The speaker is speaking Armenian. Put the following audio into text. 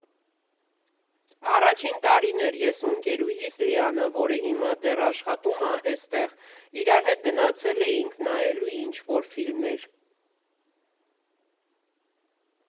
Առաջին տարին էր, ես ու ընկերուհիս՝ Լիանը, որը հիմա դեռ աշխատում ա էստեղ, իրար հետ գնացել էինք նայելու ինչ֊որ ֆիլմեր։